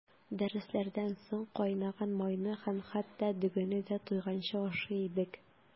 Дәресләрдән соң кайнаган майны һәм хәтта дөгене дә туйганчы ашый идек.